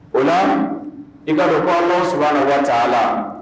O la i ka don ko allahu subahaanahu wa taala